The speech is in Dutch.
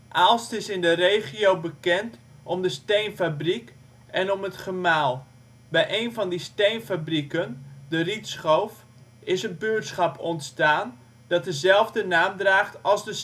Aalst is in de regio bekend om de Steenfabriek en om het gemaal. Bij één van die steenfabieken, De Rietschoof, is een buurtschap ontstaan, dat dezelfde naam draagt als de